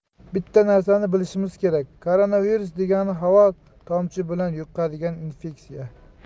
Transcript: bitta narsani bishimiz kerak koronavirus degani havo tomchi bilan yuqadigan infeksiya